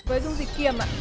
với dung dịch kiềm ạ